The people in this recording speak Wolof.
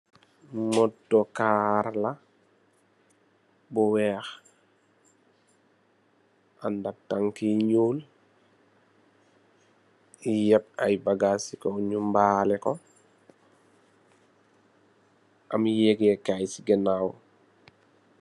Moto kaar la bu weeh, andak tanki yu ñuul yëp ay bagaas ci kaw numbalèko, am yègèkaay ci ganaaw.